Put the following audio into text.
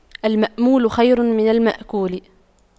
المأمول خير من المأكول